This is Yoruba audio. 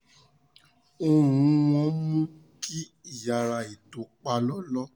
Ohùn-un wọn mú kí iyàrá ètò pa lọ́lọ́.